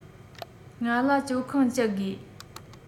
ང ལ སྤྱོད ཁང གཅད དགོས